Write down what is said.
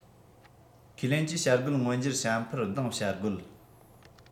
ཁས ལེན གྱིས བྱ རྒོད མངོན འགྱུར བྱ འཕུར ལྡང བྱ རྒོད